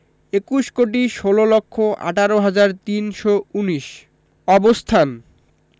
একুশ কোটি ষোল লক্ষ আঠারো হাজার তিনশো উনিশ অবস্থানঃ